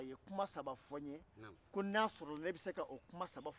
de ka sɔrɔ musowololen monnɛ yɛrɛ kama